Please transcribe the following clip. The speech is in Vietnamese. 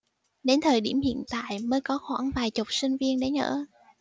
đến thời điểm hiện tại mới có khoảng vài chục sinh viên đến ở